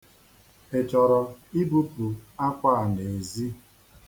Ị chọrọ ibupu àkwà a n'ezi?